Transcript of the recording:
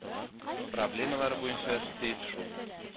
Проблемалары буенча сөйл шү